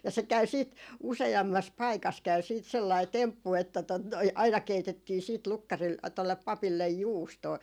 ja se käy sitten useammassa paikassa käy sitten sellainen temppu että tuota noin aina keitettiin sitten - tuolle papille juustoa